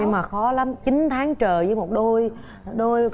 nhưng mà khó lắm chín tháng trời với một đôi đôi